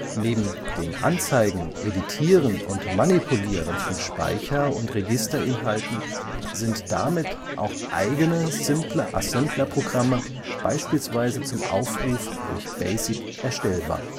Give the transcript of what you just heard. Neben dem Anzeigen, Editieren und Manipulieren von Speicher - und Registerinhalten sind damit auch eigene simple Assemblerprogramme beispielsweise zum Aufruf durch BASIC erstellbar